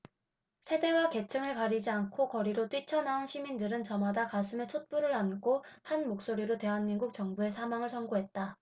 세대와 계층을 가리지 않고 거리로 뛰쳐나온 시민들은 저마다 가슴에 촛불을 안고 한 목소리로 대한민국 정부의 사망을 선고했다